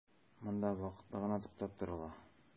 Монда вакытлы гына туктап торыла.